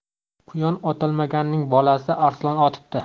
quyon otolmaganning bolasi arslon otibdi